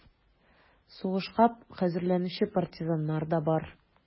Сугышка хәзерләнүче партизаннар да бар: